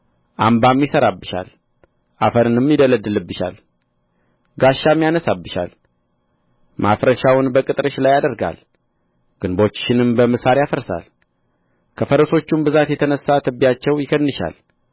አምባም ይሠራብሻል አፈርንም ይደለድልብሻል ጋሻም ያነሣብሻል ማፍረሻውን በቅጥርሽ ላይ ያደርጋል ግንቦችሽንም በምሳር ያፈርሳል ከፈረሶቹም ብዛት የተነሣ ትቢያቸው ይከድንሻል